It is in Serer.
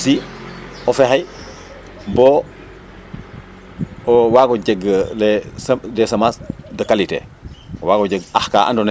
mais aussi o fexey bo o waag o jeg des des semences de qualité o waag o jeg ax ka andoona yee